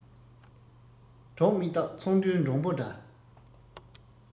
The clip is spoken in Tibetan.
གྲོགས མི རྟག ཚོང འདུས མགྲོན པོ འདྲ